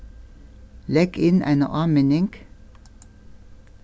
legg inn eina áminning